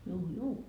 juu juu